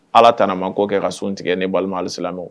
Ala t ma ko kɛ ka sun tigɛ ne balimamɛ